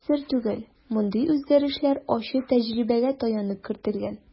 Сер түгел, мондый үзгәрешләр ачы тәҗрибәгә таянып кертелгән.